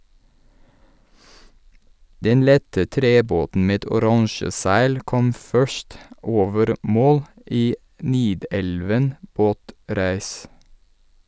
Den lette trebåten med oransje seil kom først over mål i Nidelven båtræs.